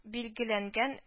Билгеләнгән